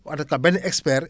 en tout cas benn expert